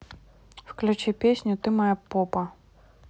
включите песню ты моя попа